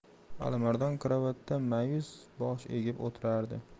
alimardon karavotda ma'yus bosh egib o'tirardi